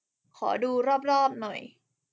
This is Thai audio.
ขอดูรอบรอบหน่อย